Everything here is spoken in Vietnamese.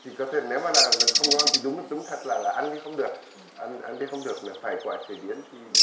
chỉ có thể nếu mà là mình không ngon thì đúng đúng thật là là ăn thì không được ăn ăn thì không được là phải qua chế biến thì